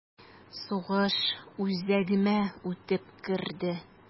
Сугыш үзәгемә үтеп керде...